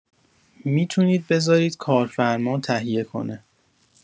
می‌تونید بزارید کارفرما تهیه کنه